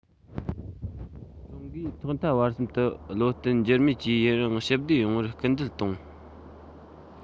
ཀྲུང གོས ཐོག མཐའ བར གསུམ དུ བློ བརྟན འགྱུར མེད ཀྱིས ཡུན རིང ཞི བདེ ཡོང བར སྐུལ འདེད གཏོང